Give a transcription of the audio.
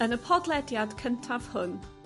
Yn y podlediad cyntaf hwn